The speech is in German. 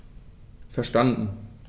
Verstanden.